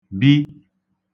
bi